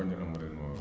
bañ a am ren waaw